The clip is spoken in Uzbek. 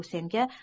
u senga